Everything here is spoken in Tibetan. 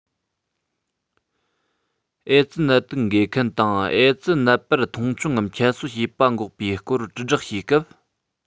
ཨེ ཙི ནད དུག འགོས མཁན དང ཨེ ཙི ནད པར མཐོང ཆུང ངམ ཁྱད གསོད བྱེད པ འགོག པའི སྐོར དྲིལ བསྒྲགས བྱེད སྐབས